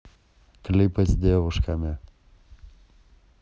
клипы с девушками